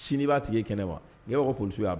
Sini b'a tigɛ kɛnɛ wa i tun'